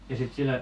ja sitten sillä